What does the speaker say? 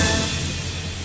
à